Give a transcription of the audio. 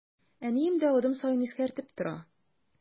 Әнием дә адым саен искәртеп тора.